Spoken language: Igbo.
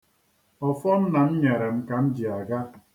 Ọfọ nna m nyere m ka m ji aga.